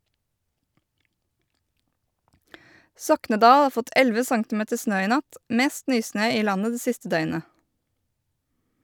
Soknedal har fått elleve centimeter snø i natt, mest nysnø i landet det siste døgnet.